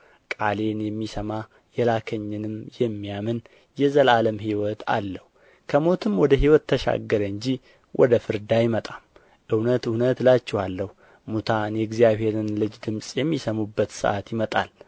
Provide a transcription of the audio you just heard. ቃሌን የሚሰማ የላከኝንም የሚያምን የዘላለም ሕይወት አለው ከሞትም ወደ ሕይወት ተሻገረ እንጂ ወደ ፍርድ አይመጣም እውነት እውነት እላችኋለሁ ሙታን የእግዚአብሔርን ልጅ ድምፅ የሚሰሙበት ሰዓት ይመጣል